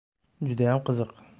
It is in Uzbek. judayam qiziq